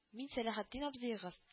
Мин, Сәләхетдин абзыегыз